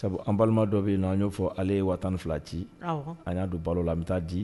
Sabu an balima dɔ bɛ yen na an y'o fɔ ale ye wa tan ni fila ci a y'a don balo la an bɛ taa di